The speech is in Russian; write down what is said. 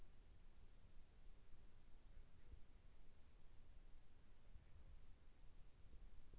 как сделать физику воды в unreal engine